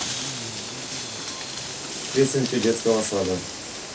песенки детского сада